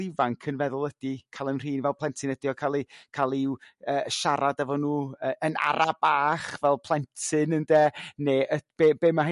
ifanc yn feddwl ydy ca'l 'yn rhin fel plentyn ydio cael eu cael i'w yrr siarad efon nhw yrr yn ara' bach fel plentyn ynde ne' yrr be' be' ma'